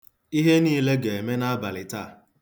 Ihe niile ga-eme n'abalị taa.